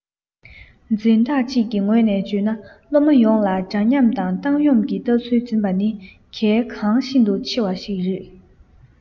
འཛིན བདག ཅིག གི ངོས ནས བརྗོད ན སློབ མ ཡོངས ལ འདྲ མཉམ དང བཏང སྙོམས ཀྱི ལྟ ཚུལ འཛིན པ ནི གལ འགངས ཤིན ཏུ ཆེ བ ཞིག རེད